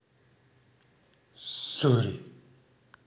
сори